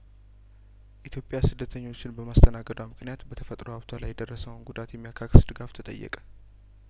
ኢትዮጵያ ስደተኞችን በማስተናገዷ ምክንያት በተፈጥሮ ሀብቷ ላይ የደረሰውን ጉዳት የሚያካክስ ድጋፍ ተጠየቀ